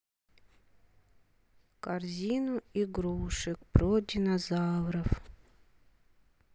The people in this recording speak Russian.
корзину игрушек про динозавров